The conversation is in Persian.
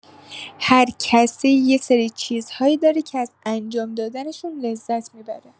هرکسی یه سری چیزهایی داره که از انجام دادنشون لذت می‌بره.